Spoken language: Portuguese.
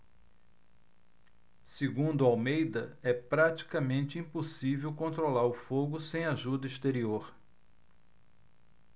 segundo almeida é praticamente impossível controlar o fogo sem ajuda exterior